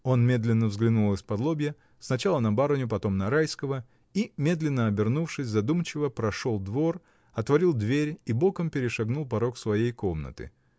Он медленно взглянул исподлобья, сначала на барыню, потом на Райского, и, медленно обернувшись, задумчиво прошел двор, отворил дверь и боком перешагнул порог своей комнаты.